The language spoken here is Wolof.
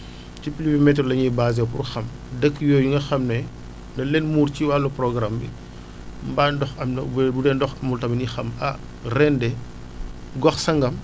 ci pluviométrie la ñuy basé wu pour xam dëkk yooyu nga xam ne dañu leen muur ci wàllu programme bi mbaa ndox am na wala bu dee ndox amul tamit ñu xam ah ren de gox sangam